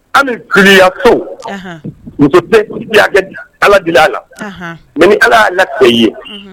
An joliya to muso tɛ ala dilan la ni ala'a la ye